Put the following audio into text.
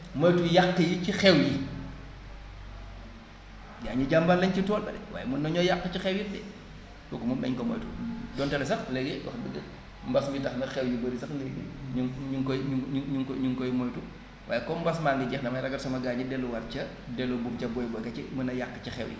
moytu yàq yi ci xew yi gars yi jàmbaar lañ ca tool ba de waaye mën nañoo yàq ci xew yi it de kooku moom nañ ko moytu donte ne sax léegi wax dëgg mbas mi tax na xew yu bëri sax léegi ñu ñu ngi koy ñu ngi ñu ngi koy moytu waaye comme mbas maa ngi jeex damay ragal sama gars ñi delluwaat ca delloo buum ca boy boy ga ca mën a yàq ci xew yi